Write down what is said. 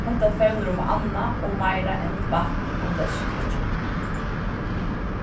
hetta fevnir um annað og meira enn vatn og leskidrykkir